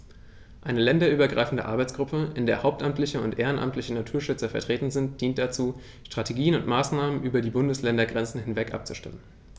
Eine länderübergreifende Arbeitsgruppe, in der hauptamtliche und ehrenamtliche Naturschützer vertreten sind, dient dazu, Strategien und Maßnahmen über die Bundesländergrenzen hinweg abzustimmen.